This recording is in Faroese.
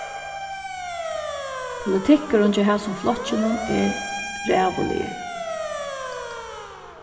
politikkurin hjá hasum flokkinum er ræðuligur